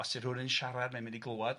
os yw rhywun yn siarad mae'n mynd i glywed,